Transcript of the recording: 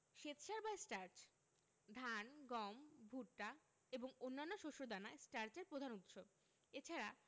শ্বেতসার বা স্টার্চ ধান গম ভুট্টা এবং অন্যান্য শস্য দানা স্টার্চের প্রধান উৎস এছাড়া